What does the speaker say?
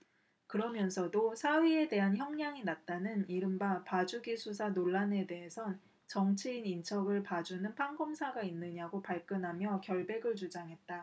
그러면서도 사위에 대한 형량이 낮다는 이른바 봐주기 수사 논란에 대해선 정치인 인척을 봐주는 판검사가 있느냐고 발끈하며 결백을 주장했다